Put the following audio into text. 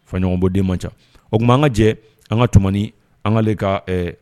Faɲɔgɔnbɔ den man ca .O kuma an ka jɛ an ka Tumani an ka ale ka ɛɛ